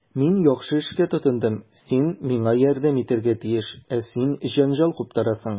Мин яхшы эшкә тотындым, син миңа ярдәм итәргә тиеш, ә син җәнҗал куптарасың.